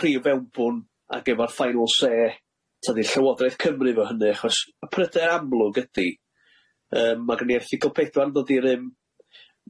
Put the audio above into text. prif fewnbwn ag efo'r final say tydi Llywodraeth Cymru efo hynny achos y pryde amlwg ydi yym ma' gen i erthygl pedwar yn dod i rym,